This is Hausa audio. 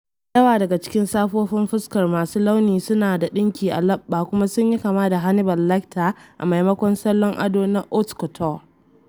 Da yawa daga cikin safofin fuskar masu launi suna da ɗinki a leɓɓa kuma sun yi kama da Hannibal Lecter a maimakon salon ado na haute couture.